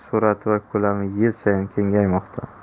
sur'ati va ko'lami yil sayin kengaymoqda